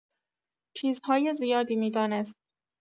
چیزهای زیادی می‌دانست.